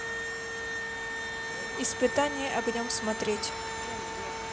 испытание огнем смотреть